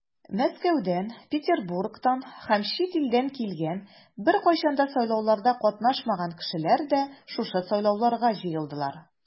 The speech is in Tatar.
Мәскәүдән, Петербургтан һәм чит илдән килгән, беркайчан да сайлауларда катнашмаган кешеләр дә шушы сайлауларга җыелдылар.